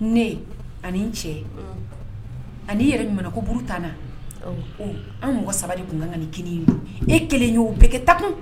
ne ani cɛ ani yɛrɛ ko buru tan an mɔgɔ sabali tun ka kelen don e kelen y' oo bɛɛ kɛ ta kun